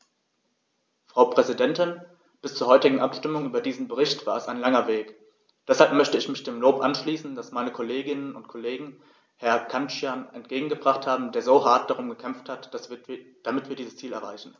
Frau Präsidentin, bis zur heutigen Abstimmung über diesen Bericht war es ein langer Weg, deshalb möchte ich mich dem Lob anschließen, das meine Kolleginnen und Kollegen Herrn Cancian entgegengebracht haben, der so hart darum gekämpft hat, damit wir dieses Ziel erreichen.